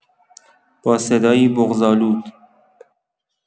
با صدایی بغض‌آلود